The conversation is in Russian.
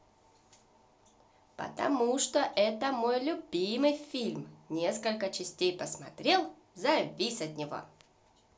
потому что это мой любимый фильм несколько частей посмотрел завис от него